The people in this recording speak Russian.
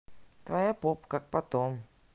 твоя попа как потом